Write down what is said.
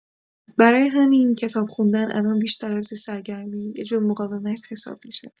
برای همین، کتاب خوندن الان بیشتر از یه سرگرمی، یه جور مقاومت حساب می‌شه؛